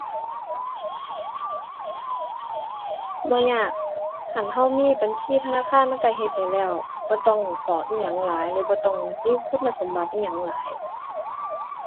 บ่ยาก คันเรามีบัญชีธนาคารมันเราเฮ็ดได้แล้ว บ่ต้องกรอกอิหยังหลายหรือบ่ต้องมีคุณสมบัติอิหยังหลาย